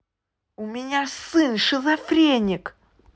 у меня сын шизофреник